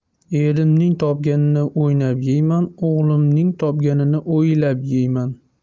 erimning topganini o'ynab yeyman o'g'limning topganini o'ylab yeyman